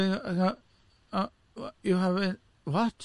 You have a what?